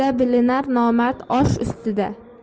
bilinar nomard osh ustida